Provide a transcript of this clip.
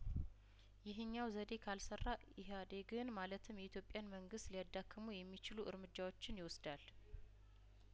ይህኛው ዘዴ ካልሰራ ኢህአዴግን ማለትም የኢትዮጵያን መንግስት ሊያዳክሙ የሚችሉ እርምጃዎችን ይወስዳል